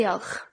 Diolch.